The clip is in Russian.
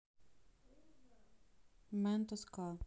mentos ка